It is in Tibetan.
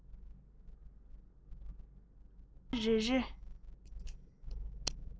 བརྗོད པ རེ རེ